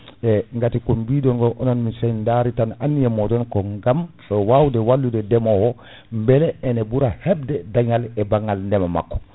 e gati ko biɗogo ononne sen daari tan anniya moɗon ko gam wawde wallude ndeemowo o beele ina ɓuura hebde dañal e bangganl ndeema makko